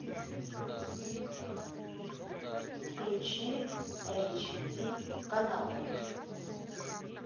включи эйч ди каналы